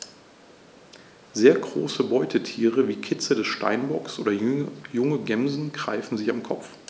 Sehr große Beutetiere wie Kitze des Steinbocks oder junge Gämsen greifen sie am Kopf.